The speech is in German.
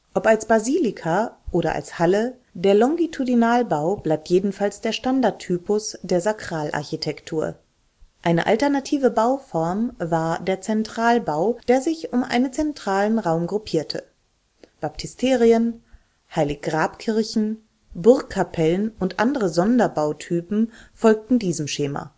Ob als Basilika oder als Halle, der Longitudinalbau blieb jedenfalls der Standardtypus der Sakralarchitektur. Eine alternative Bauform war der Zentralbau, der sich um einen zentralen Raum gruppiert. Baptisterien, Heilig-Grab-Kirchen, Burgkapellen und andere Sonderbautypen folgten diesem Schema